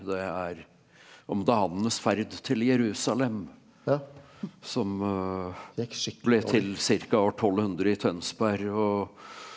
det er om danenes ferd til Jerusalem som ble til ca. år 1200 i Tønsberg og.